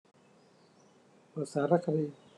เปิดสารคดี